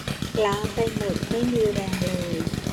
ล้าไปหมดไม่มีแรงเลย